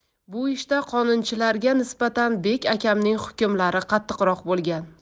bu ishda qonunchilarga nisbatan bek akamning hukmlari qattiqroq bo'lgan